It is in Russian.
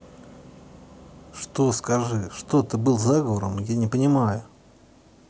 что скажи что ты был заговором я не понимаю